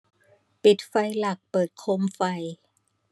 ปิดไฟหลักเปิดโคมไฟ